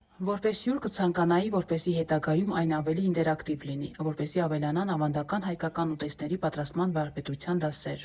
Որպես հյուր, կցանկանայի, որպեսզի հետագայում այն ավելի ինտերակտիվ լինի, որպեսզի ավելանան ավանդական հայկական ուտեստների պատրաստման վարպետության դասեր։